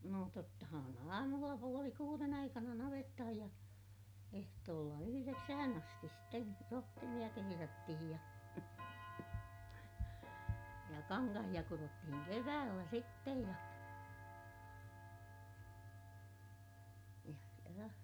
no tottahan aamulla puoli kuuden aikana navettaan ja ehtoolla yhdeksään asti sitten rohtimia kehrättiin ja ja kankaita kudottiin keväällä sitten ja ja ja